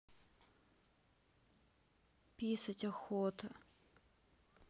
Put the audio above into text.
писать охота